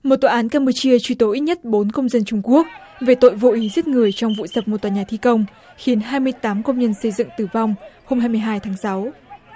một tòa án cam pu chia truy tố ít nhất bốn công dân trung quốc về tội vô ý giết người trong vụ sập một tòa nhà thi công khiến hai mươi tám công nhân xây dựng tử vong hôm hai mươi hai tháng sáu